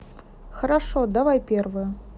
хорошо давай первую